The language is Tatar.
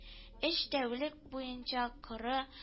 Өч тәүлек буенча коры